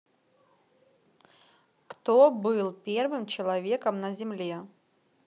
кто был первым человеком на земле